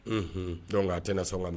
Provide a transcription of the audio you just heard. Unhun! Donc a tɛna sɔn ka